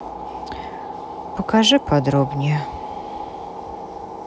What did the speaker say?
покажи подробнее